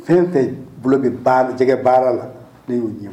Fɛn fɛn bolo bɛ baar jɛgɛ baara la ne y'o ɲ